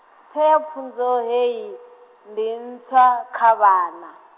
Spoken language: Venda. theapfunzo hei, ndi ntswa, kha vhana.